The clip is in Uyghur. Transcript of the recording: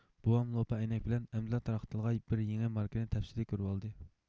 بوۋام لوپا ئەينەك بىلەن ئەمدىلا تارقىتىلغان بۇ يېڭى ماركىنى تەپسىلىي كۆرۈۋاتىدۇ